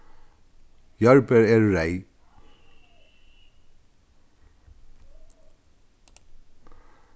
jarðber eru reyð